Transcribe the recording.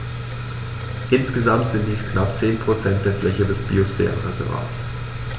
Insgesamt sind dies knapp 10 % der Fläche des Biosphärenreservates.